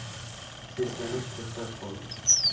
seskanib to'xtab qoldi